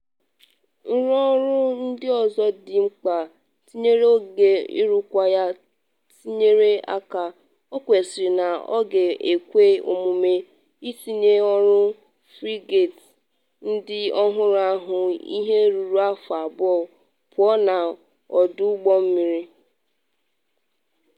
Nrụọrụ ndị ọzọ dị mkpa tinyere oge nrụkwa ya tere aka - ọ kwesịrị na ọ ga-ekwe omume itinye n’ọrụ frigate ndị ọhụrụ ahụ ihe ruru afọ abụọ pụọ na ọdụ ụgbọ mmiri.